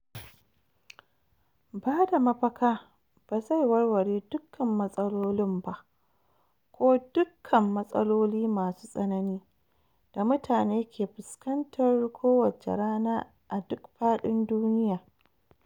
Bada mafaka ba zai warware dukkan matsalolin ba - ko dukan matsaloli masu tsanani - da mutane ke fuskantar kowace rana a duk faɗin duniya.